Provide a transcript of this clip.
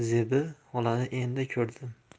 zebi xolani endi ko'rdim